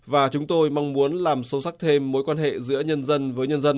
và chúng tôi mong muốn làm sâu sắc thêm mối quan hệ giữa nhân dân với nhân dân